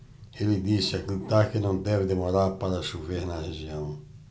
ele disse acreditar que não deve demorar para chover na região